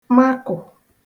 makụ̀